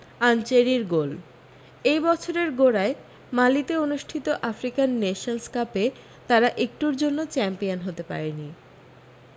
আনচেরির goal এই বছরের গোড়ায় মালিতে অনুষ্ঠিত আফ্রিকান নেশনস কাপে তারা একটুর জন্য চ্যাম্পিয়ন হতে পারেনি